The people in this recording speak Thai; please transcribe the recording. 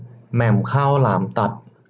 แหม่มข้าวหลามตัด